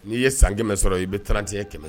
N'i ye san kɛmɛ sɔrɔ i bɛ ttiɲɛ kɛmɛ